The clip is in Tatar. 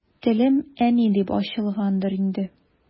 Телем «әни» дип ачылгангадыр инде.